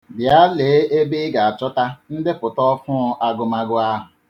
Bịa lee ebe ị ga-achọta ndepụta ọfụụ agụmagụ ahụ.